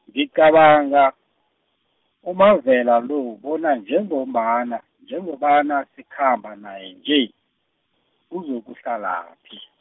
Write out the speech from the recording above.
ngiqabanga, uMavela lo bona njengombana, njengobana sikhamba naye nje, uzokuhlalaphi.